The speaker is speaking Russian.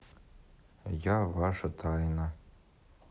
я ваша тайна